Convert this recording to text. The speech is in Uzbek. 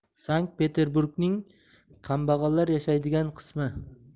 sankt peterburgning kambag'allar yashaydigan qismi